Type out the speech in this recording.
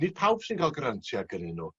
nid pawb sy'n ca'l grantia gynnyn n'w.